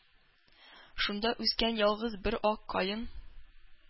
Шунда үскән ялгыз бер ак каен